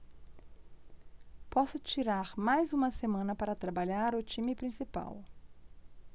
posso tirar mais uma semana para trabalhar o time principal